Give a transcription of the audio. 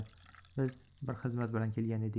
biz bir xizmat bilan kelgan edik